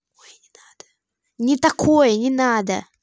не такое не надо